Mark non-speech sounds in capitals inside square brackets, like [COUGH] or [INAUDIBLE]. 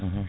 [HESITATION] [HESITATION]